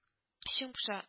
Эчең поша